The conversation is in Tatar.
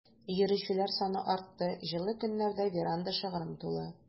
Йөрүчеләр саны артты, җылы көннәрдә веранда шыгрым тулы.